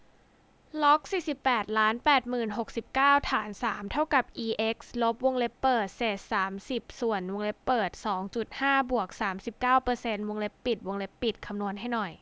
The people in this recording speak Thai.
ล็อกสี่สิบแปดล้านแปดหมื่นหกสิบเก้าฐานสามเท่ากับอีเอ็กซ์ลบวงเล็บเปิดเศษสามสิบส่วนวงเล็บเปิดสองจุดห้าบวกสามสิบเก้าเปอร์เซ็นต์วงเล็บปิดวงเล็บปิดคำนวณให้หน่อย